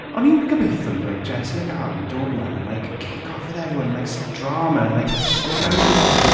O'n i'n gobeithio i like Jessie ac Aaron i dod mewn and like kick off with everyone and like start drama and like go around with everyone.